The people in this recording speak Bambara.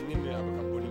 Ni mɛ an bɛ bɔ